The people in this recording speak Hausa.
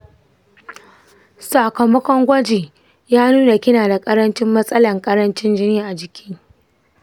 sakamakon gwajin ya nuna kina da ƙaramin matsalan ƙarancin jini a jiki.